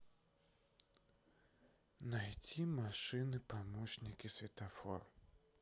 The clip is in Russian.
найти машины помощники светофор